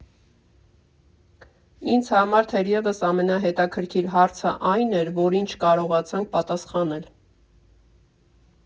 Ինձ համար թերևս ամենահետաքրքիր հարցը այն էր, որին չկարողացանք պատասխանել։